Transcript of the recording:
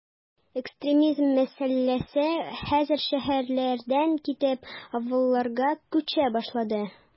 Экстремизм мәсьәләсе хәзер шәһәрләрдән китеп, авылларга “күчә” башлады.